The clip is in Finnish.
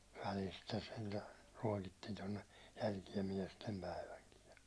välistä sentään ruokittiin tuonne jälkeen miestenpäivänkin ja